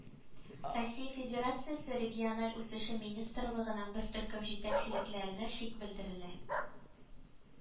Россия Федерациясе Региональ үсеше министрлыгының бер төркем җитәкчеләренә шик белдерелә